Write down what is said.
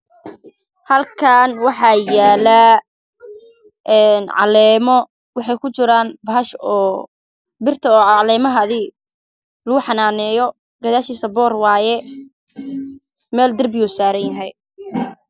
Waa geed cagaar ah suran meel oo cadaan ah